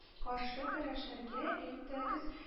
Каршы көрәшәргә, әйдәгез